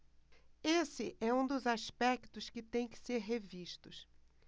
esse é um dos aspectos que têm que ser revistos